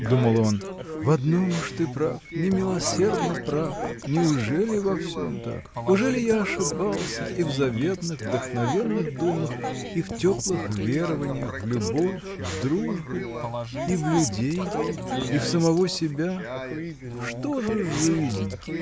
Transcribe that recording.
– думал он, – в одном уж ты прав, немилосердно прав неужели и во всем так? ужели я ошибался и в заветных вдохновенных думах и в теплых верованиях в любовь в дружбу. и в людей. и в самого себя?. Что же жизнь?